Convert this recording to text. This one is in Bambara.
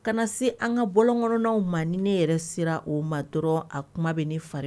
Kana se an ka bɔ kɔnɔnaw ma ni ne yɛrɛ sera o ma dɔrɔn a kuma bɛ ne fari